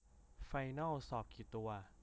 ไฟนอลสอบกี่ตัว